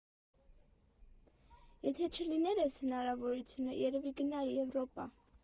Եթե չլիներ էս հնարավորությունը, երևի գնայի Եվրոպա։